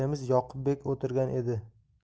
yoqubbek o'tirgan edi